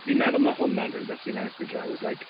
Fi'n meddwl mae hwnna'n rhywbeth sy'n ennill fi draw is like...